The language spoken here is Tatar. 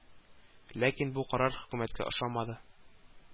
Ләкин бу карар хөкүмәткә ошамады